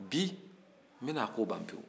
bi n bɛn'a ko ban pewu